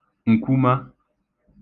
ǹkwuma